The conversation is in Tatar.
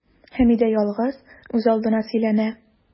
Хәмидә ялгыз, үзалдына сөйләнә.